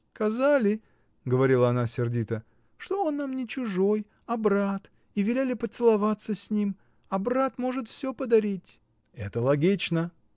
сказали, — говорила она сердито, — что он нам не чужой, а брат, и велели поцеловаться с ним а брат может всё подарить. — Это логично!